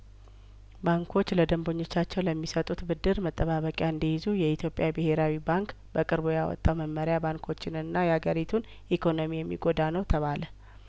ባንኮች ለደንበኞቻቸው ለሚሰጡት ብድር መጠባበቂያ እንዲይዙ የኢትዮጵያ ብሄራዊ ባንክ በቅርቡ ያወጣው መመሪያ ባንኮችንና የአገሪቱን ኢኮኖሚ የሚጐዳ ነው ተባለ